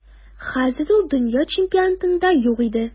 Хәзер ул дөнья чемпионатында юк иде.